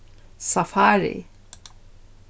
safari